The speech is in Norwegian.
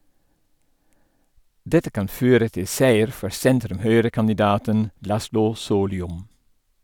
Dette kan føre til seier for sentrum-høyrekandidaten Laszlo Solyom.